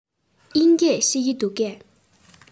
དབྱིན སྐད ཤེས ཀྱི འདུག གས